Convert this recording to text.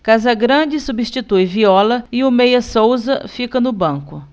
casagrande substitui viola e o meia souza fica no banco